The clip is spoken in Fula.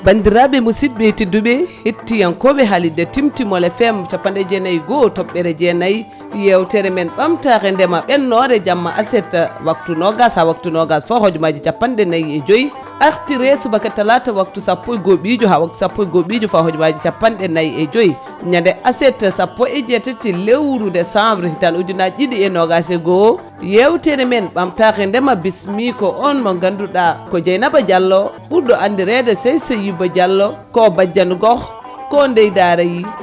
bandiraɓe musidɓe tedduɓe hettiyankoɓe haalirde Timtimol FM capanɗe jeenayyi e goho toɓɓere jeenayyi yewtere men ɓamtare ndeema ɓennore jamma aset waktu nogas ha waktu nogas fawdu hojomaji capanɗe nayyi e joyyi artire subaka talata waktu sappo e gohoɓijo ha waktu sappo gohoɓijo fawa hojomaji capanɗe nayyi e joyyi ñande aset sappo ejeetati lewru décembre hitande ujunnaje ɗiɗi e nogas e goho yewtere men ɓamtare ndeema bismi ko on mo ganduɗa ko Deiynaba Diallo ɓuurɗo andirede Seyseyiba Diallo ko bajene gookh ndeye daara yi